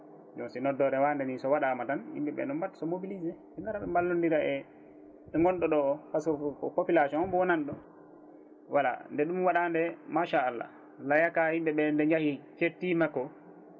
joni si noddore wande ni so waɗama tan yimɓeɓe no mbatta se mobiliser ɓe gaara ɓe mballodira e gonɗo ɗo o par ce que ko population o mo wonani ɗo voilà nde ɗum waɗa nde machallah layaka yimɓeɓe nde jaahi kettimako